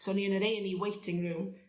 so o'n i yn yr Ay an' Ee waiting room